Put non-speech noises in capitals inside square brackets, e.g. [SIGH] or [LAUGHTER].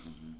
[HESITATION] [HESITATION]